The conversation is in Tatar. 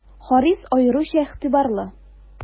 Харис аеруча игътибарлы.